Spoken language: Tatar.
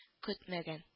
Көтмәгән